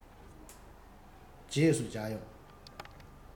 རྗེས སུ མཇལ ཡོང